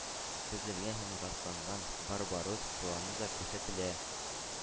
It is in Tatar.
Төзелгән һәм расланган” “барбаросс” планы да күрсәтелә.